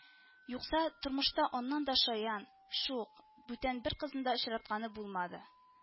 Юкса, тормышта аннан да шаян, шук бүтән бер кызны да очратканы булмады